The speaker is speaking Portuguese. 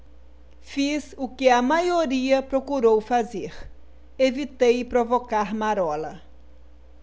fiz o que a maioria procurou fazer evitei provocar marola